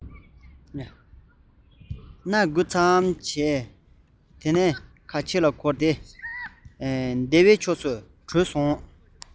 སྣ འགུལ ཙམ འགུལ ཙམ བྱེད ཁ ཕྱིར བསྐོར ནས སྡེ བའི ཕྱོགས སུ བྲོས སོང